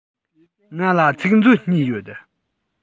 ང ལ ཚིག མཛོད གཉིས ཡོད